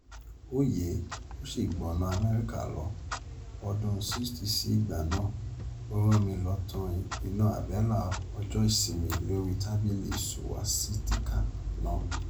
Ó yè é ó ṣì gbọ̀nà Amẹ́ríkà lọ, ọdún 60 sí ìgbà náà, ó rán mi lọ tàn iná àbẹ́là ọjọ́ ìsinmí lórí tábìlì Suwasitikà náà.